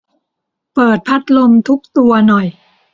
เปิดพัดลมทุกตัวหน่อย